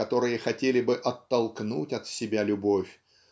которые хотели бы оттолкнуть от себя любовь